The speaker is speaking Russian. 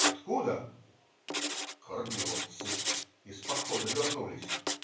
откуда?" - "Корниловцы, из похода вернулись".